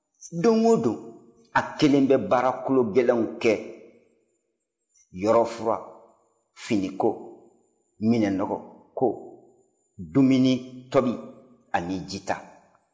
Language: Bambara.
don o don a kelen bɛ baara gologɛlɛnw kɛ yɔrɔfuran finiko minɛnnɔgɔko dumunitobi ani jita